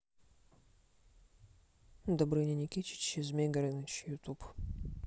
добрыня никитич и змей горыныч ютуб